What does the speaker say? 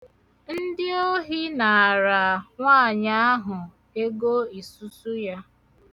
Ndị ohi naara nwaanyị ahụ ego isusu ya.